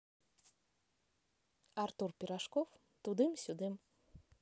артур пирожков тудым сюдым